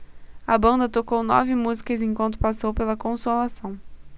a banda tocou nove músicas enquanto passou pela consolação